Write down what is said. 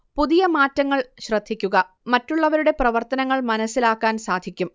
പുതിയ മാറ്റങ്ങൾ ശ്രദ്ധിക്കുക മറ്റുള്ളവരുടെ പ്രവർത്തനങ്ങൾ മനസിലാക്കാൻ സാധിക്കും